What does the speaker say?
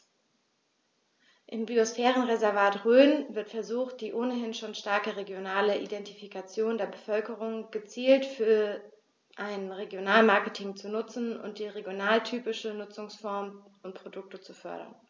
Im Biosphärenreservat Rhön wird versucht, die ohnehin schon starke regionale Identifikation der Bevölkerung gezielt für ein Regionalmarketing zu nutzen und regionaltypische Nutzungsformen und Produkte zu fördern.